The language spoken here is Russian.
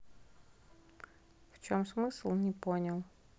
в чем смысл не понял